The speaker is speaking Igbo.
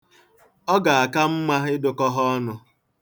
Ọ ga-aka mma ịdụkọ ha ọnụ.